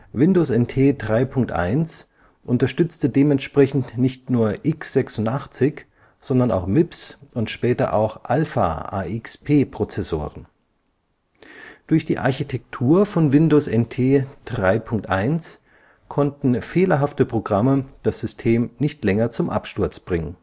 Windows NT 3.1 unterstützte dementsprechend nicht nur x86 -, sondern auch MIPS und später auch Alpha-AXP-Prozessoren. Durch die Architektur von Windows NT 3.1 konnten fehlerhafte Programme das System nicht länger zum Absturz bringen